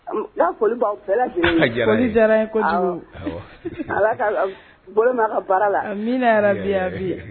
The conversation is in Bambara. Allo ŋ'a foli b'aw bɛɛ lajɛlen ye a diyar'an ye foli diyar'an ye kojugu awɔ Ala ka lab bolo mɛ a' ka baara la amiina yarabi amii